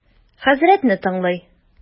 Хәзрәтне тыңлый.